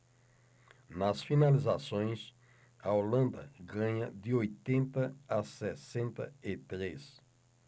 nas finalizações a holanda ganha de oitenta a sessenta e três